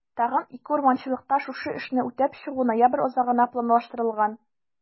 Тагын 2 урманчылыкта шушы эшне үтәп чыгу ноябрь азагына планлаштырылган.